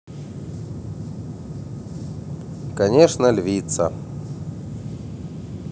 конечно львица